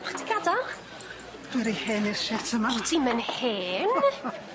Bo chdi gadal? Dwi'n ry hen i'r shit yma. O ti'm yn hen!